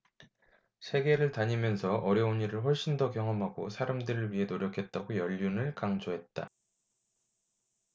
세계를 다니면서 어려운 일을 훨씬 더 경험하고 사람들을 위해 노력했다고 연륜을 강조했다